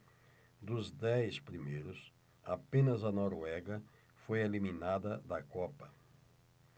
dos dez primeiros apenas a noruega foi eliminada da copa